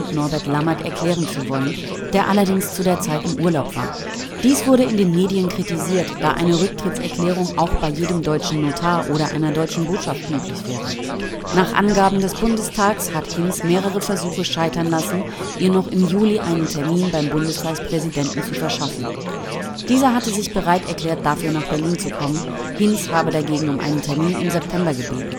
Norbert Lammert erklären zu wollen, der allerdings zu der Zeit im Urlaub war. Dies wurde in den Medien kritisiert, da eine Rücktrittserklärung auch bei jedem deutschen Notar oder einer deutschen Botschaft möglich wäre. Nach Angaben des Bundestags hat Hinz mehrere Versuche scheitern lassen, ihr noch im Juli einen Termin beim Bundestagspräsidenten zu verschaffen. Dieser hatte sich bereit erklärt, dafür nach Berlin zu kommen. Hinz habe dagegen um einen Termin im September gebeten